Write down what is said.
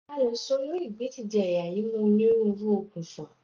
A lè so irú ìgbédìde ẹ̀yà náà yìí mọ́ onírúurú okùnfà.